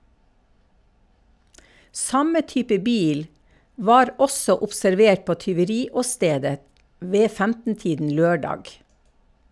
Samme type bil var også observert på tyveriåstedet ved 15-tiden lørdag.